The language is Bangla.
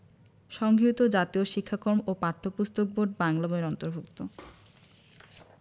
সংগৃহীত জাতীয় শিক্ষাক্রম ও পাঠ্যপুস্তক বোর্ড বাংলা বই এর অন্তর্ভুক্ত